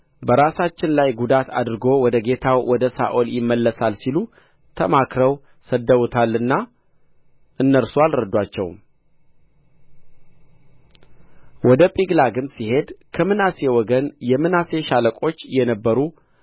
በራሳችን ላይ ጕዳት አድርጎ ወደ ጌታው ወደ ሳኦል ይመለሳል ሲሉ ተማክረው ሰድደውታልና እነርሱ አልረዷቸውም ወደ ጺቅላግም ሲሄድ ከምናሴ ወገን የምናሴ ሻለቆች የነበሩ